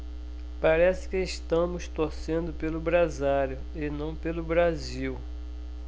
parece que estamos torcendo pelo brasário e não pelo brasil